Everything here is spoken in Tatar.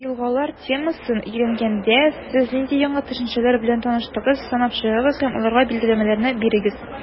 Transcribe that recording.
«елгалар» темасын өйрәнгәндә, сез нинди яңа төшенчәләр белән таныштыгыз, санап чыгыгыз һәм аларга билгеләмәләр бирегез.